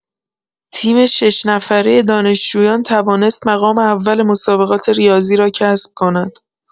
تیم شش‌نفره دانشجویان توانست مقام اول مسابقات ریاضی را کسب کند.